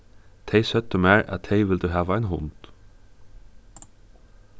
tey søgdu mær at tey vildu hava ein hund